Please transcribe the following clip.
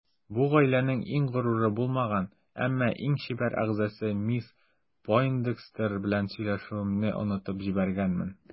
Бу гаиләнең иң горуры булмаган, әмма иң чибәр әгъзасы мисс Пойндекстер белән сөйләшүемне онытып җибәргәнмен.